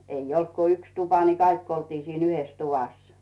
ei ollut kuin yksi tupa niin kaikki oltiin siinä yhdessä tuvassa